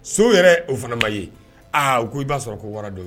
So yɛrɛ o fana ma ye aa u ko i b'a sɔrɔ ko wara don ye